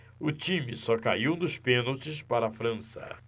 o time só caiu nos pênaltis para a frança